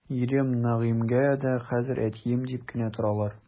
Ирем Нәгыймгә дә хәзер әтием дип кенә торалар.